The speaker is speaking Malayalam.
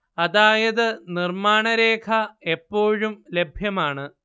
അതായത് നിർമ്മാണരേഖ എപ്പോഴും ലഭ്യമാണ്